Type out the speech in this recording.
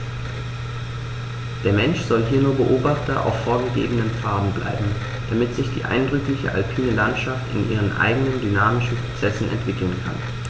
Der Mensch soll hier nur Beobachter auf vorgegebenen Pfaden bleiben, damit sich die eindrückliche alpine Landschaft in ihren eigenen dynamischen Prozessen entwickeln kann.